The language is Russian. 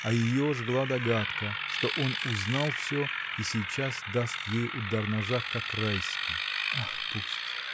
А ее жгла догадка, что он узнал всё и сейчас даст ей удар ножа, как Райский. — Ах, пусть!